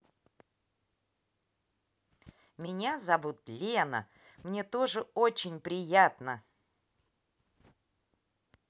меня зовут лена мне тоже очень приятно